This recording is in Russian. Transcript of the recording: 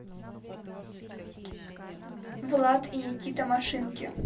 влад и никита машинки